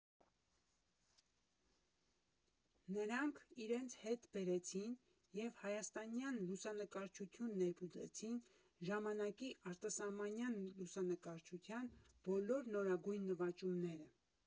Նրանք իրենց հետ բերեցին և հայաստանյան լուսանկարչություն ներմուծեցին ժամանակի արտասահմանյան լուսանկարչության բոլոր նորագույն նվաճումները։